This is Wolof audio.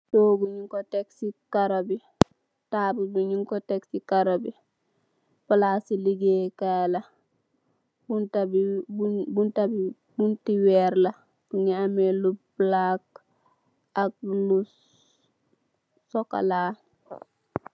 Toguh ñiñ ko tek ci karó bi, tabull bi ñiñ ko tek ci karó bi, palasi ligeey Kai la, buntabi weer la mugeh ameh lu ñuul ak sokola.